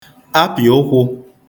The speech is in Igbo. apị̀ụkwụ̄